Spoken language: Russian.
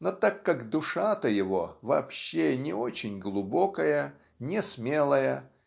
но так как душа-то его вообще не очень глубокая не смелая